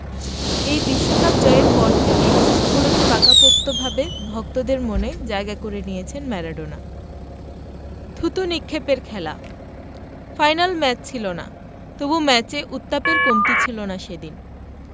এই বিশ্বকাপ জয়ের পর থেকেই মূলত পাকাপোক্তভাবে ভক্তদের মনে জায়গা করে নিয়েছেন ম্যারাডোনা থুতু নিক্ষেপের খেলা ফাইনাল ম্যাচ ছিল না তবু ম্যাচে উত্তাপের কমতি ছিল না সেদিন